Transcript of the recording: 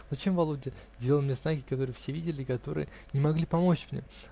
Зачем Володя делал мне знаки, которые все видели и которые не могли помочь мне?